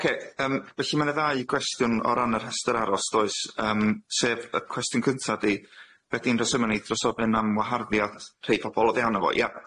Ocê yym felly ma' na ddau gwestiwn o ran y rhestr aros does yym sef y cwestiwn cynta di be di'n rhesyma neud dros ofyn am waharddiad rhei pobol oddi arno fo ia?